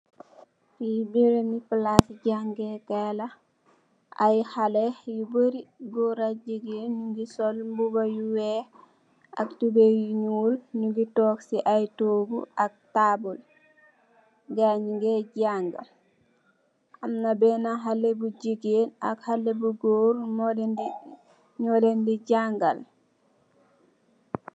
Fii beni palaasi jangee kaay la, aye halle yu bori, goor ak jigeen, nyungi sol mbuba yu weeh, ak tubeuy yu nyuul, nyungi took si aye toogu ak taabul, gaay nyungee janga, amna bena halle bu jigeen, ak halle bu goor moleen di jaangal.